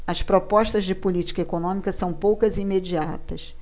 as propostas de política econômica são poucas e imediatas